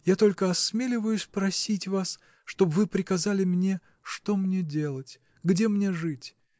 я только осмеливаюсь просить вас, чтобы вы приказали мне, что мне делать, где мне жить.